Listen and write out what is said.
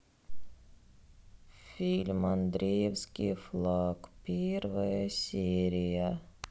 фильм андреевский флаг первая серия